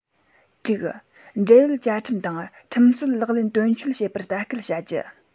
དྲུག འབྲེལ ཡོད བཅའ ཁྲིམས དང ཁྲིམས སྲོལ ལག ལེན དོན འཁྱོལ བྱེད པར ལྟ སྐུལ བྱ རྒྱུ